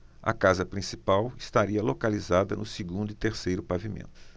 a casa principal estaria localizada no segundo e terceiro pavimentos